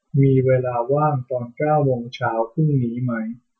มีเวลาว่างตอนเก้าโมงเช้าพรุ่งนี้ไหม